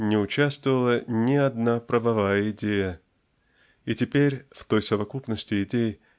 не участвовала ни одна правовая идея. И теперь в той совокупности идей